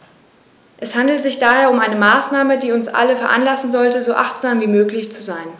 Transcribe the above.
Es handelt sich daher um eine Maßnahme, die uns alle veranlassen sollte, so achtsam wie möglich zu sein.